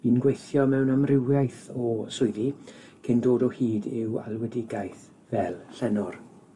Bu'n gweithio mewn amrywiaeth o swyddi cyn dod o hyd i'w alwedigaeth fel llenor.